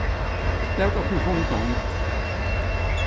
latið okkum koma í gongd